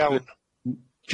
Iawn.